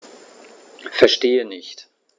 Verstehe nicht.